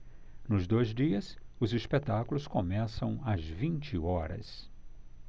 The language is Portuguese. nos dois dias os espetáculos começam às vinte horas